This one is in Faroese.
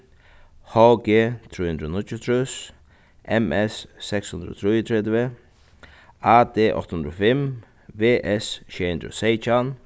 h g trý hundrað og níggjuogtrýss m s seks hundrað og trýogtretivu a d átta hundrað og fimm v s sjey hundrað og seytjan